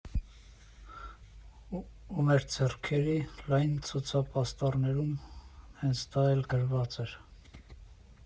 Ու մեր ձեռքերի լայն ցուցապաստառներում հենց դա էլ գրված էր.